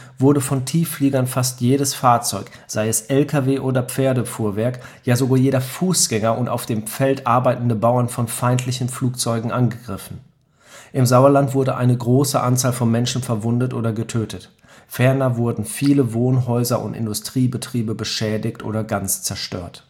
wurde von Tieffliegern jedes Fahrzeug, sei es LKW oder Pferdefuhrwerk, ja sogar jeder Fußgänger und auf dem Feld arbeitende Bauern von feindlichen Flugzeugen angegriffen. Im Sauerland wurde eine große Anzahl von Menschen verwundet oder getötet; ferner wurden viele Wohnhäuser und Industriebetriebe beschädigt oder ganz zerstört